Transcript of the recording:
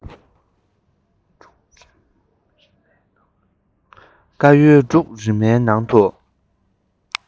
དཀར ཡོལ འབྲུག རིས མའི ནང དུ